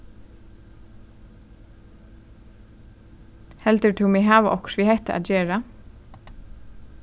heldur tú meg hava okkurt við hetta at gera